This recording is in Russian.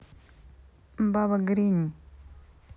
баба гренни